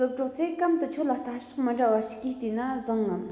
སློབ གྲོགས ཚོས གམ དུ ཁྱོད ལ ལྟ ཕྱོགས མི འདྲ བ ཞིག གིས བལྟས ན བཟང ངམ